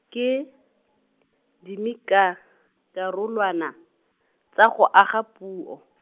ke, dimika- karolwana, tsa go aga puo.